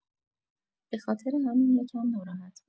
به‌خاطر همین یکم ناراحت بود.